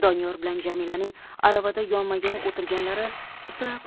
doniyor bilan jamilaning aravada yonma yon o'tirganlari sira